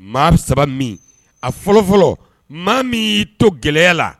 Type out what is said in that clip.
Maa saba min , a fɔlɔfɔlɔ: maa min y'i to gɛlɛya la